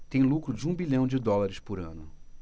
tem lucro de um bilhão de dólares por ano